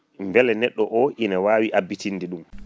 bele neɗɗo o ne wawi abbitinde ɗum